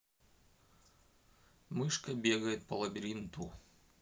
мышка бегает по лабиринту